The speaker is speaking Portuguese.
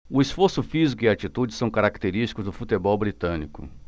o esforço físico e a atitude são característicos do futebol britânico